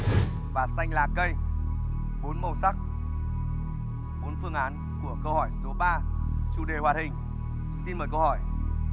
và xanh lá cây bốn màu sắc bốn phương án của câu hỏi số ba chủ đề hoạt hình xin mời câu hỏi